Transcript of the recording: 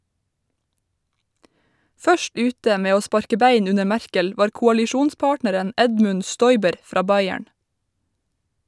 Først ute med å sparke bein under Merkel var koalisjonspartneren Edmund Stoiber fra Bayern.